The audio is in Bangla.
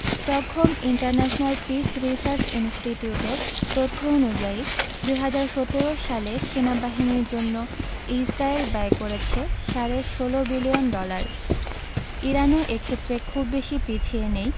স্টকহোম ইন্টারন্যাশনাল পিস রিসার্চ ইনস্টিটিউটের তথ্য অনুযায়ী ২০১৭ সালে সেনাবাহিনীর জন্য ইসরায়েল ব্যয় করেছে সাড়ে ১৬ বিলিয়ন ডলার ইরানও এ ক্ষেত্রে খুব বেশি পিছিয়ে নেই